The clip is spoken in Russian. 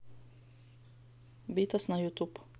витас на ютюб